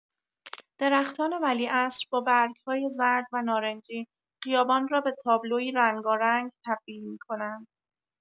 درختان ولیعصر با برگ‌های زرد و نارنجی، خیابان را به تابلویی رنگارنگ تبدیل می‌کنند.